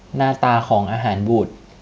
หน้าตาของอาหารบูด